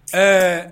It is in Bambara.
Ɛɛ